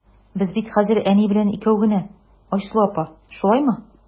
Без бит хәзер әни белән икәү генә, Айсылу апа, шулаймы?